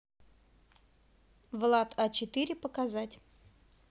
влад а четыре показать